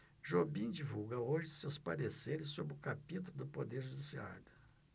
jobim divulga hoje seus pareceres sobre o capítulo do poder judiciário